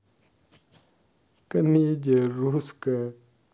комедия русская